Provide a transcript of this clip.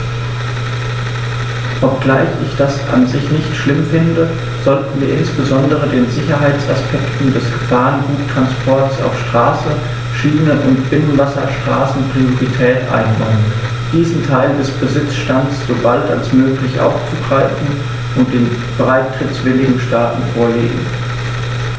Obgleich ich das an sich nicht schlimm finde, sollten wir insbesondere den Sicherheitsaspekten des Gefahrguttransports auf Straße, Schiene und Binnenwasserstraßen Priorität einräumen, diesen Teil des Besitzstands so bald als möglich aufgreifen und den beitrittswilligen Staaten vorlegen.